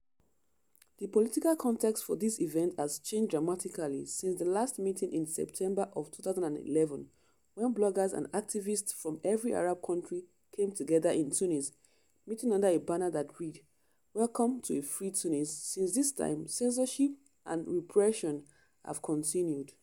The political context for this event has changed dramatically since the last meeting in September of 2011, when bloggers and activists from every Arab country came together in Tunis, meeting under a banner that read: “Welcome to a Free Tunis.” Since this time, censorship and repression have continued.